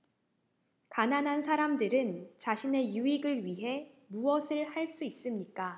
가난한 사람들은 자신의 유익을 위해 무엇을 할 수 있습니까